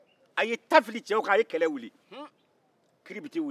kiribiti wulila hunn